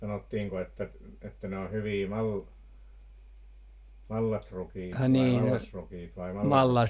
sanottiinko että että ne on hyviä - mallatrukiita vai mallasrukiita vai -